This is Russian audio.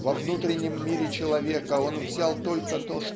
Во внутреннем мире человека он взял только то